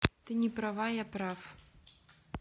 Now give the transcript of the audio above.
ты не права я прав